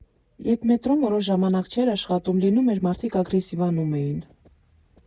Երբ մետրոն որոշ ժամանակ չէր աշխատում, լինում էր՝ մարդիկ ագրեսիվանում էին.